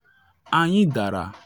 Anyị dara.